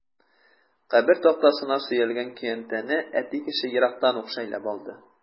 Кабер тактасына сөялгән көянтәне әти кеше ерактан ук шәйләп алды.